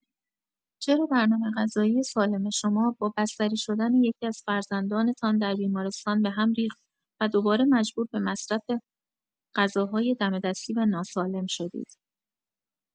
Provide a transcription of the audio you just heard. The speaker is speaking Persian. چرا برنامه غذایی سالم شما، با بستری‌شدن یکی‌از فرزندانتان در بیمارستان به هم ریخت و دوباره مجبور به مصرف غذاهای دم‌دستی و ناسالم شدید.